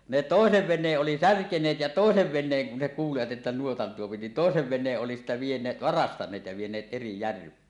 ne toisen veneen oli särkeneet ja toisen veneen kun ne kuulivat että nuotan tuo niin toisen veneen oli sitten - varastaneet ja vieneet eri järveen